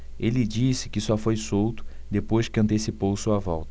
ele disse que só foi solto depois que antecipou sua volta